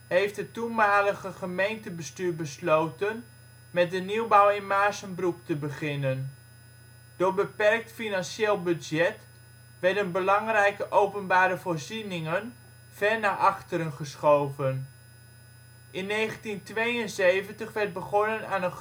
heeft het toenmalige gemeentebestuur besloten met de nieuwbouw in Maarssenbroek te beginnen. Door beperkt financieel budget werden belangrijke openbare voorzieningen ver naar achteren geschoven. In 1972 werd begonnen aan een grootschalig